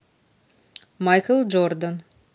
майкл джордан